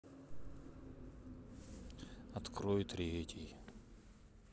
открой третий